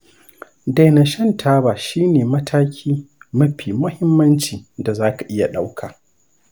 daina shan taba shi ne mataki mafi muhimmanci da za ka iya ɗauka.